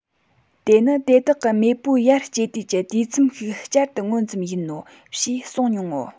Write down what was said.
དེ ནི དེ དག གི མེས པོའི ཡར སྐྱེ དུས ཀྱི དུས མཚམས ཤིག བསྐྱར དུ མངོན ཙམ ཡིན ནོ ཞེས གསུངས མྱོང ངོ